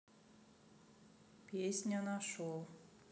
песня нашел